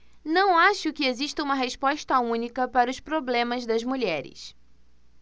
não acho que exista uma resposta única para os problemas das mulheres